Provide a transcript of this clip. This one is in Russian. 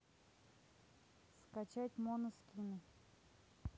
скачать моно скины